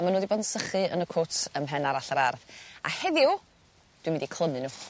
a ma' n'w 'di bod yn sychu yn y cwts yn mhen arall yr ardd a heddiw dwi mynd i clymu n'w.